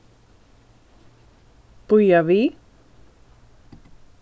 bíða við